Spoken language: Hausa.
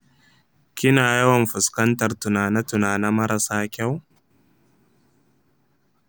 kina yawan fuskantar tunane-tunane marasa kyau?